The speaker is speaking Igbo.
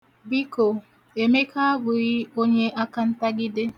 Biko, Emeka abụghị onye akantagide.